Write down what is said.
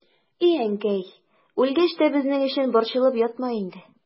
И әнкәй, үлгәч тә безнең өчен борчылып ятма инде.